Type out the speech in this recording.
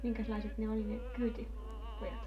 minkäslaiset ne oli ne - kyytipojat